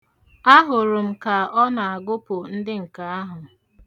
Ahụrụ m ka ọ na-agụpụ ndị nke ahụ.